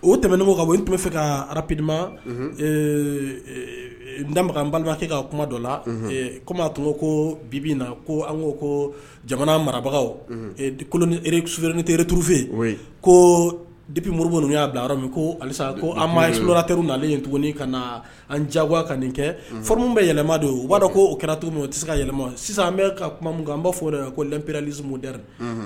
O tɛmen kan tun bɛ fɛ ka arapdima damakan balibakɛ ka kuma dɔ la kɔmi tun ko ko bibi na ko an ko ko jamana marabagawre suinre tuurufe ko dibi moribo minnu y'a bila yɔrɔ min ko alisa ko teriuru naalelen tuguni ka na an jawa ka nin kɛ f minnu bɛ yɛlɛma don u b'a ko oo kɛra cogo min o tɛ se ka yɛlɛma sisan an ka kuma an b'a fɔ ko lɛnpralimu